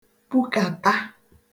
kwukata